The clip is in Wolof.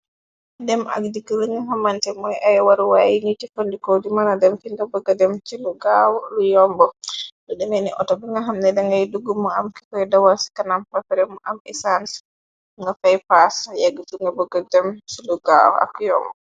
Dem ak dikki lañu xamante mooy ay waruwaay yi ni jëffandikoo di mëna dem kinda bëgga dem ci lu gaaw lu yomb lu demee ni outo bi nga xamne dangay duggmu am kikoy dawal ci kanam pafaremu am isens nga fay paas yegg tu nga bëgg dem ci lu gaaw ak yombu.